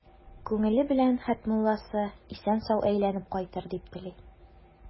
Күңеле белән Хәтмулласы исән-сау әйләнеп кайтыр дип тели.